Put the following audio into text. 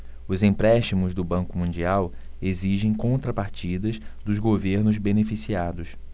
os empréstimos do banco mundial exigem contrapartidas dos governos beneficiados